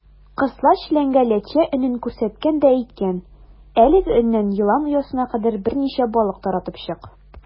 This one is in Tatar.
Кысла челәнгә ләтчә өнен күрсәткән дә әйткән: "Әлеге өннән елан оясына кадәр берничә балык таратып чык".